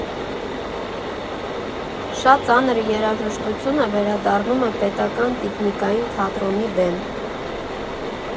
Շատ ծանր երաժշտությունը վերադառնում է Պետական տիկնիկային թատրոնի բեմ։